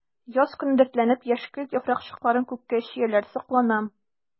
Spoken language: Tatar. Яз көне дәртләнеп яшькелт яфракчыкларын күккә чөяләр— сокланам.